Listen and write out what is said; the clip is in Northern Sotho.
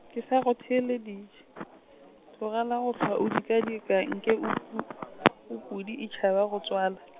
ke sa go theeleditše , tlogela go hlwa o dika dika nke o pu- , o pudi e tšhaba go tswala.